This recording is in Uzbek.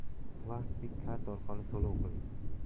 plastik karta orqali to'lov qiling